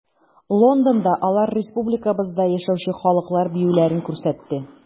Лондонда алар республикабызда яшәүче халыклар биюләрен күрсәтте.